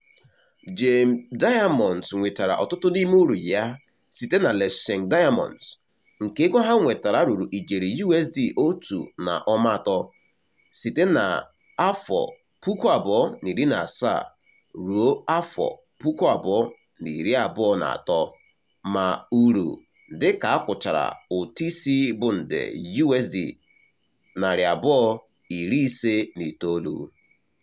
GEM Diamonds nwetara ọtụtụ n'ime uru ya site na Letšeng Diamonds, nke ego ha nwetara ruru ijeri USD 1.3 site na 2017 ruo 2023 ma uru dịka a kwụchara ụtụisi bụ nde USD 259.